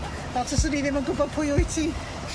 Fel taswn i ddim yn gwbo pwy wyt ti!